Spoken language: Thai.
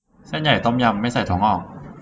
เส้นใหญ่ต้มยำไม่ใส่ถั่วงอก